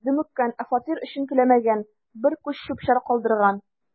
„дөмеккән, ә фатир өчен түләмәгән, бер күч чүп-чар калдырган“.